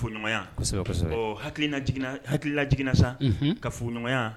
Hakili hakililaigina sa ka f